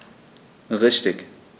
Richtig